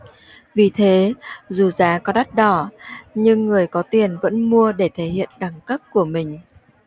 vì thế dù giá có đắt đỏ nhưng người có tiền vẫn mua để thể hiện đẳng cấp của mình